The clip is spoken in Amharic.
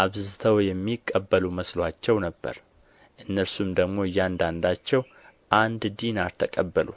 አብዝተው የሚቀበሉ መስሎአቸው ነበር እነርሱም ደግሞ እያንዳንዳቸው አንድ ዲናር ተቀበሉ